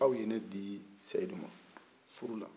aw ye di seyidu ma furu la